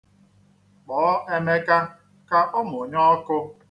Kpọọ Emeka ka ọ mụnye ọkụ.